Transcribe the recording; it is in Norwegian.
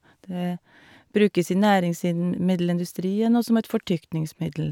Det brukes i næringsidn middelindustrien og som et fortykningsmiddel.